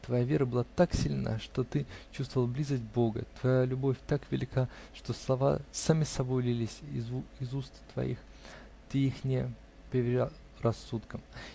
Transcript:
Твоя вера была так сильна, что ты чувствовал близость Бога, твоя любовь так велика, что слова сами собою лились из уст твоих -- ты их не поверял рассудком.